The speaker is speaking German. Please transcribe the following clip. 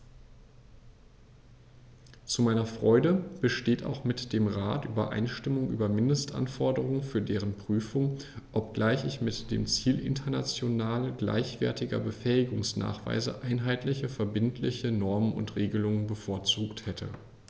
Zu meiner Freude besteht auch mit dem Rat Übereinstimmung über Mindestanforderungen für deren Prüfung, obgleich ich mit dem Ziel international gleichwertiger Befähigungsnachweise einheitliche verbindliche Normen und Regelungen bevorzugt hätte.